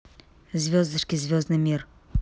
звездочки звездный мир